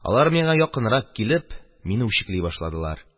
Алар, миңа якынрак килеп, мине үчекли башладылар.